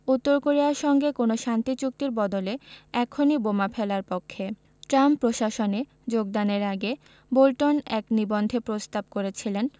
উত্তর কোরিয়ার সঙ্গে কোনো শান্তি চুক্তির বদলে এখনই বোমা ফেলার পক্ষে ট্রাম্প প্রশাসনে যোগদানের আগে বোল্টন এক নিবন্ধে প্রস্তাব করেছিলেন